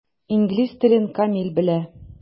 Инглиз телен камил белә.